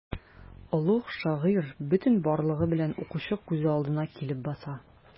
Олуг шагыйрь бөтен барлыгы белән укучы күз алдына килеп баса.